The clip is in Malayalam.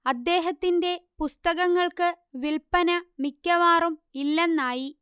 അദ്ദേഹത്തിന്റെ പുസ്തകങ്ങൾക്ക് വില്പന മിക്കവാറും ഇല്ലെന്നായി